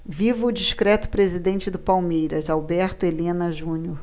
viva o discreto presidente do palmeiras alberto helena junior